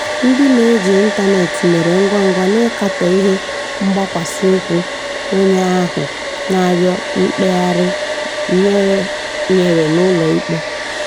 Ndị na-eji ịntaneetị mere ngwangwa n'ịkatọ ihe mgbakwasị ụkwụ onye ahụ na-arịọ mkpegharị nyere n'ụlọ ikpe.